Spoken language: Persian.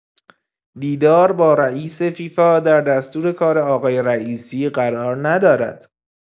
دیدار با رئیس فیفا در دستورکار آقای رئیسی قرار ندارد.